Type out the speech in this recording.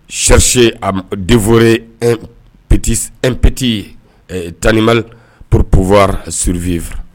Srisie a denpe ppti nptti tanlima ppwa suruurpfinyfa